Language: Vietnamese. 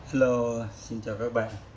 hello xin chào các bạn